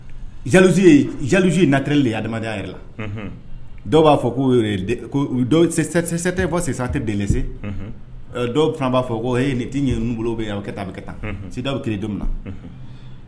Ja jaliluz in natɛreli ha adamadenya yɛrɛ la dɔw b'a fɔ k'sɛ tɛ bɔ tɛ dese dɔw fana b'a fɔ ko nin' ye n bolo bɛ kɛ taa bɛ ka taa sida bɛ kelen don na